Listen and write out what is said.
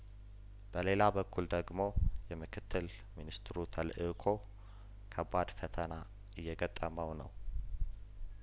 በሌላ በኩል ደግሞ የምክትል ሚኒስትሩ ተልእኮ ከባድ ፈተና እየገጠመው ነው